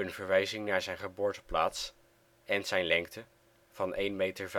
verwijzing naar zijn geboorteplaats en zijn lengte van 1 meter